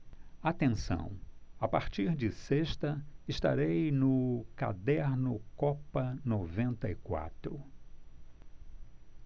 atenção a partir de sexta estarei no caderno copa noventa e quatro